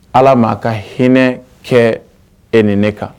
Ala ma a ka hinɛ kɛ e ni ne kan